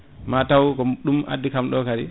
mataw ko ɗum addi kam ɗo kadi